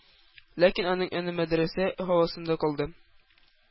Ләкин аның өне мәдрәсә һавасында калды.